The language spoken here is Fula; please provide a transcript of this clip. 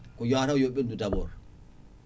ko yataw yo ɓendu d' bord